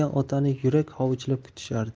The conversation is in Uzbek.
bo'lgan otani yurak hovuchlab kutishardi